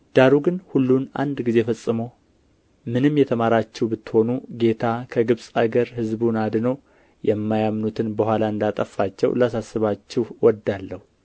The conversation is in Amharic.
ዳሩ ግን ሁሉን አንድ ጊዜ ፈጽሞ ምንም የተማራችሁ ብትሆኑ ጌታ ከግብፅ አገር ሕዝቡን አድኖ የማያምኑትን በኋላ እንዳጠፋቸው ላሳስባችሁ እወዳለሁ